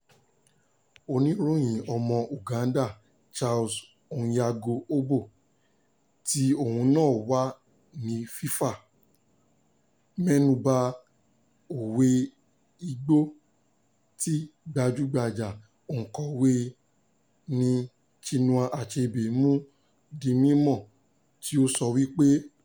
Oníròyìn ọmọ Uganda Charles Onyango-Obbo, tí òun náà wà ní FIFA, mẹ́nu ba òwe Igbo tí gbajúgbajà òǹkọ̀wée nì Chinua Achebe mú di mímọ́ tí ó sọ wípé: